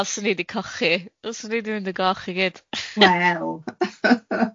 O, 'swn i di cochi, 'swn i di mynd yn goch i gyd.